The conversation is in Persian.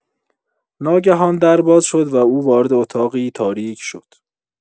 ناگهان در باز شد و او وارد اتاقی تاریک شد.